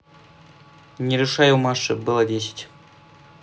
ну решай у маши было десять